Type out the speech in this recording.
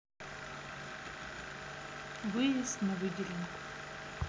выезд на выделенку